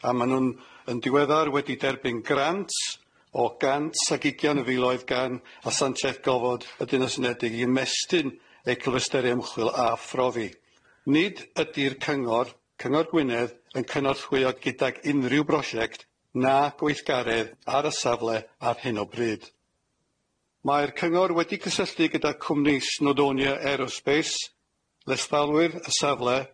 a ma' nw'n yn diweddar wedi derbyn grant o gant ag ugian o filoedd gan asantiaeth gofod y Deyrnas Unedig i ymestyn ei cyflwysterau ymchwil a phrofi. Nid ydi'r cyngor cyngor Gwynedd yn cynorthwyo gydag unrhyw brosiect na gweithgaredd ar y safle ar hyn o bryd. Mae'r cyngor wedi cysylltu gyda cwmni Snowdonia Aerospace leithdalwyr y safle